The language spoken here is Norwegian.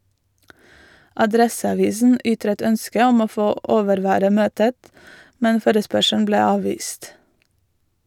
Adresseavisen ytret ønske om å få overvære møtet, men forespørselen ble avvist.